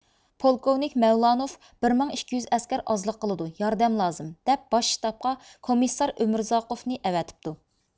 پولكوۋنىك مەۋلانوف بىر مىڭ ئىككى يۈز ئەسكەر ئازلىق قىلىدۇ ياردەم لازىم دەپ باش شتابقا كومىسسار ئۆمۈرزاقۇفنى ئەۋەتىپتۇ